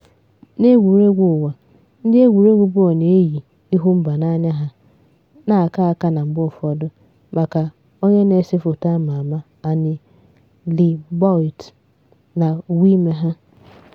N'egwuregwu ụwa, ndị egwuregwu bọọlụ na-eyi ịhụ mba n'anya ha na aka aka na mgbe ụfọdụ, maka onye na-ese foto ama ama Annie Leibowitz, na uwe ime ha.